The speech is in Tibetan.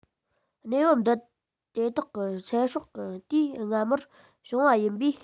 གནས བབ འདི དེ དག གི ཚེ སྲོག གི དུས སྔ མོར བྱུང བ ཡིན པས